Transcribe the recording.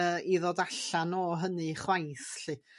yy i ddod allan o hynny chwaith 'lly.